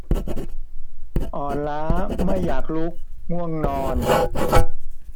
อ่อนล้าไม่อยากลุกง่วงนอน